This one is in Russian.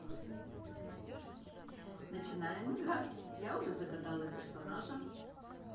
начинаем играть я уже загадала персонажа